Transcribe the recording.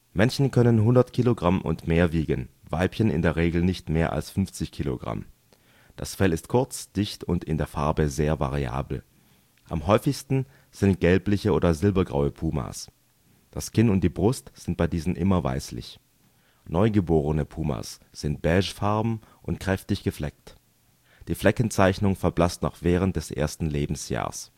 Männchen können 100 kg und mehr wiegen, Weibchen in der Regel nicht mehr als 50 kg. Das Fell ist kurz, dicht und in der Farbe sehr variabel. Am häufigsten sind gelbliche oder silbergraue Pumas; das Kinn und die Brust sind bei diesen immer weißlich. Neugeborene Pumas sind beigefarben und kräftig gefleckt; die Fleckenzeichnung verblasst noch während des ersten Lebensjahrs